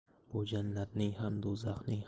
bu jannatning ham do'zaxning